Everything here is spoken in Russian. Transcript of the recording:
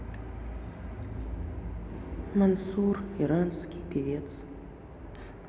мансур иранский певец